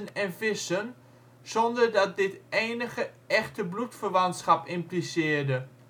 vissen, zonder dat dit enige echte bloedverwantschap impliceerde